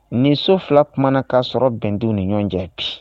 Ni so fila tumana k'a sɔrɔ bin t'u ni ɲɔgɔn cɛ, bi